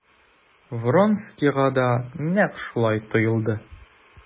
Вронскийга да нәкъ шулай тоелды.